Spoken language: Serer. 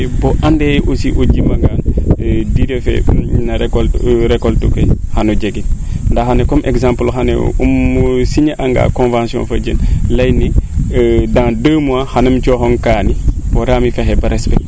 bo ande aussi o jima ngaan durer fee o recolte ke xano jegin nda xana comme exmenple xane im signer anga convention fojem leyne dans deux mois xani im coxong kaani wara mi fexey boo respecter in